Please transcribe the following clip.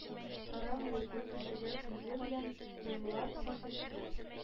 Кара мыеклы кешегә күзе белән ымлап күрсәтте